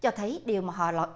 cho thấy điều mà họ gọi